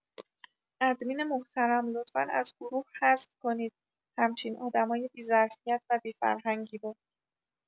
ادمین محترم لطفا از گروه حذف کنید همچین آدمای بی ظرفیت و بی فرهنگی رو